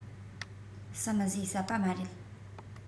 བསམ བཟོས བསད པ མ རེད